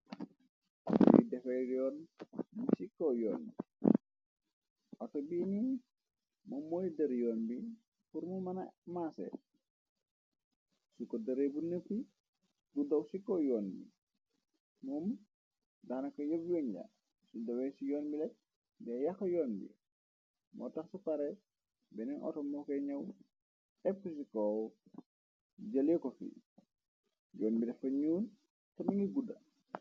Auto bi defar yoon , ci ko yoon bi, auto bii ni moom mooy dër yoon bi, pur mu mëna maase, si ko dëree bu neppi guddaw ci ko yoon bi, moom daana ko yeb weñ la, su dewe ci yoon bilek de yaq yoon bi, moo tax su pare bennen ato mooke ñaw epp ci koow jëlee ko fi, yoon bi defa ñuul te mi ngi gudda.